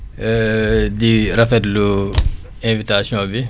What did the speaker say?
di rafetlu invitation bi